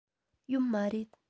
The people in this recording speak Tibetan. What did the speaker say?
ཡོད མ རེད